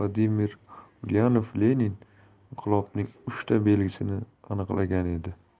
vladimir ulyanov lenin inqilobning uchta belgisini aniqlagan edi